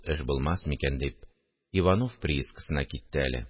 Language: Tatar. Эш булмас микән дип, иванов приискасына китте әле